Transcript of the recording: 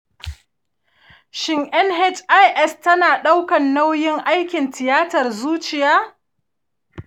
shin nhis tana ɗaukar nauyin aikin tiyatar zuciya?